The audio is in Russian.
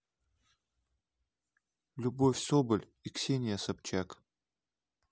любовь соболь и ксения собчак